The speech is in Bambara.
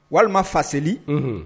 Walima fa seli